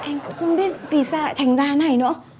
em cũng không biết vì sao lại thành ra thế này nữa